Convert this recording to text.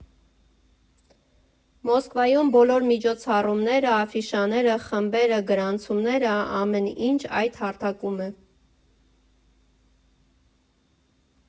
Մոսկվայում բոլոր միջոցառումները, աֆիշաները, խմբերը, գրանցումները՝ ամեն ինչ այդ հարթակում է։